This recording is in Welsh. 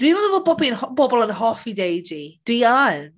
Dwi'n meddwl bod bobi yn ho- bobl yn hoffi Deiji. Dwi yn.